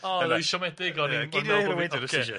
O o'n i siomedig gei di ddweud o wedyn os ti isie.